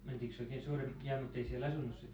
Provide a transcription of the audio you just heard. mentiinkös oikein suurella jaa mutta ei siellä asunut sitten